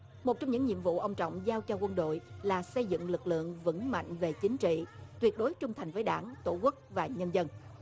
một trong những nhiệm vụ ông trọng giao cho quân đội là xây dựng lực lượng vững mạnh về chính trị tuyệt đối trung thành với đảng tổ quốc và nhân dân